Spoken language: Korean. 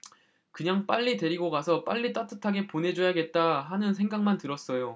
그냥 빨리 데리고 가서 빨리 따뜻하게 보내줘야겠다 하는 생각만 들었어요